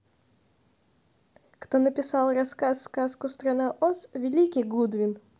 кто написал рассказ сказку страна оз великий гудвин